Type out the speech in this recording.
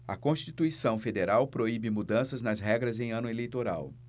a constituição federal proíbe mudanças nas regras em ano eleitoral